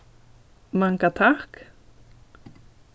manga takk